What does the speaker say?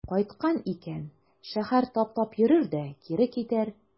Кайткан икән, шәһәр таптап йөрер дә кире китәр.